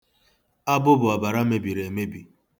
Abụ bụ ọbara mebiri emebi.